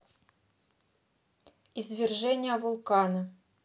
извержение вулкана